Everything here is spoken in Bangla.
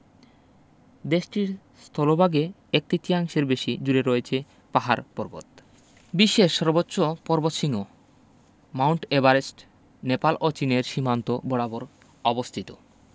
দেশটির স্থলভাগে একতিতীয়াংশের বেশি জুড়ে রয়ছে পাহাড়পর্বত বিশ্বের সর্বোচ্চ পর্বতশিঙ্গ মাউন্ট এভারেস্ট নেপাল ও চীনের সীমান্ত বরাবর অবস্থিত